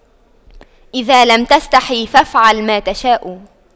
اذا لم تستحي فأفعل ما تشاء